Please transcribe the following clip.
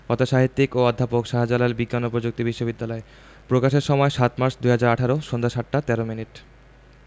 কথাসাহিত্যিক ও অধ্যাপক শাহজালাল বিজ্ঞান ও প্রযুক্তি বিশ্ববিদ্যালয় প্রকাশের সময় ০৭মার্চ ২০১৮ সন্ধ্যা ৭টা ১৩ মিনিট